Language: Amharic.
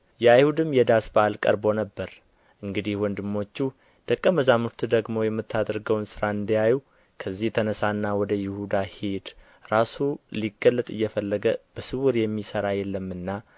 የአይሁድም የዳስ በዓል ቀርቦ ነበር እንግዲህ ወንድሞቹ ደቀ መዛሙርትህ ደግሞ የምታደርገውን ሥራ እንዲያዩ ከዚህ ተነሣና ወደ ይሁዳ ሂድ ራሱ ሊገለጥ እየፈለገ በስውር የሚሠራ የለምና